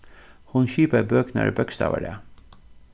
hon skipaði bøkurnar í bókstavarað